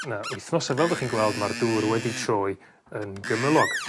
na wythnos a fel 'dych chi'n gweld ma'r dŵr wedi troi yn gymylog.